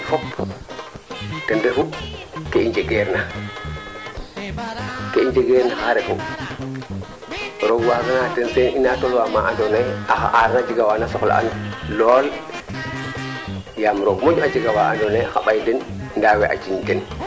parce que maak we ka leye o jega nge xa koonit ko loola teela oxu jegeer na ax toujours ko njufa mee axa mbarna ndaa koy baa moƴa fel ax keene njufaa yit te ngara teel o waago njufaa teen o waago jeg ax keene